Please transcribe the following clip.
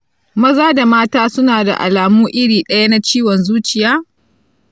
maza da mata suna da alamu iri ɗaya na ciwon zuciya?